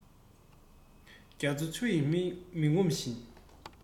རྒྱ མཚོ ཆུ ཡིས མི ངོམས ཤིང